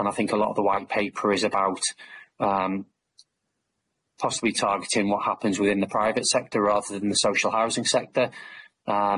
and i think a lot of the white paper is about um possibly targeting what happens within the private sector rather than the social housing sector.